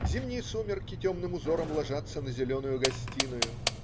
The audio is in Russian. Зимние сумерки темным узором ложатся на зеленую гостиную.